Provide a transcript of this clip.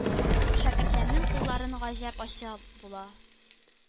Шәкертләрнең куллары гаҗәп ачы була.